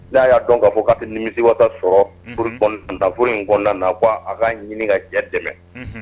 N'a y'a dɔn k kaa fɔ k'a nimitiba sɔrɔtaforo in kɔn na ko a ka ɲini ka jɛ dɛmɛ